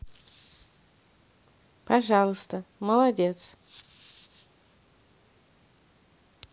пожалуйста молодец